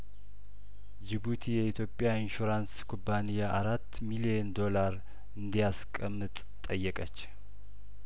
ጅቡቲ የኢትዮጵያ ኢንሹራንስ ኩባንያ አራት ሚሊየን ዶላር እንዲ ያስቀምጥ ጠየቀች